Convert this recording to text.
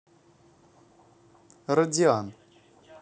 радиан